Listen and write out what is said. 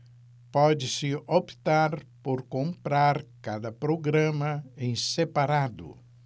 pode-se optar por comprar cada programa em separado